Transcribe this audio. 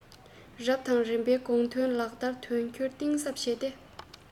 སྤྱི ཁྱབ ཧྲུའུ ཅི ཞིས ཅིན ཕིང གི གསུང བཤད གལ ཆེན